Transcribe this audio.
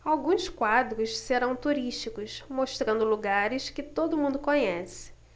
alguns quadros serão turísticos mostrando lugares que todo mundo conhece